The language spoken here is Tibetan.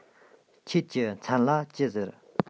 ཁྱེད ཀྱི མཚན ལ ཅི ཟེར